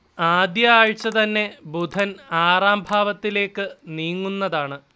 ആദ്യ ആഴ്ച തന്നെ ബുധൻ ആറാം ഭാവത്തിലേക്ക് നീങ്ങുന്നതാണ്